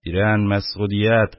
Тирән мәсгудият